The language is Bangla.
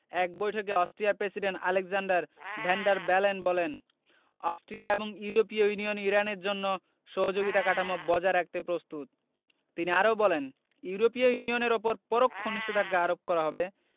এক বৈঠকে অস্ট্রিয়ার president Alexander van der Bellen বলেন অস্ট্রিয়া এবং ইউরোপীয় ইউনিয়ন ইরানের জন্য সহযোগিতা কাঠামো বজায় রাখতে প্রস্তুত তিনি আরও বলেন ইউরোপীয় ইউনিয়নের ওপর পরোক্ষ নিষেধাজ্ঞা আরোপ করা হবে